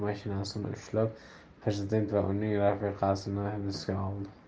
mashinasini ushlab prezident va uning rafiqasini hibsga oldi